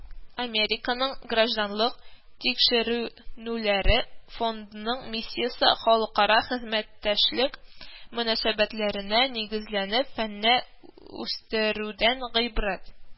Американың гражданлык тикшеренүләре фондының миссиясе халыкара хезмәттәшлек мөнәсәбәтләренә нигезләнеп, фәнне үстерүдән гыйбарәт